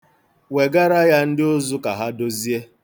Wegara ya ndị ụzụ ka ha dozie.